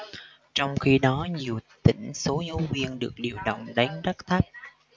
trong khi đó nhiều tỉnh số giáo viên được điều động đến rất thấp